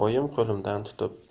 oyim qo'limdan tutib